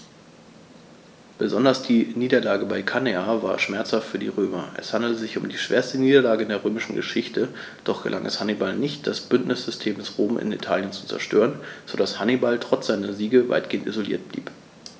Besonders die Niederlage bei Cannae war schmerzhaft für die Römer: Es handelte sich um die schwerste Niederlage in der römischen Geschichte, doch gelang es Hannibal nicht, das Bündnissystem Roms in Italien zu zerstören, sodass Hannibal trotz seiner Siege weitgehend isoliert blieb.